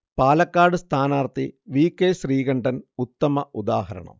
പാലക്കാട് സ്ഥാനാർത്ഥി V. K. Sreekandan ഉത്തമ ഉദാഹരണം